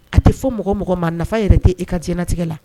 A tɛ fɔ mɔgɔ mɔgɔ maa nafa yɛrɛ tɛ e ka jtigɛ la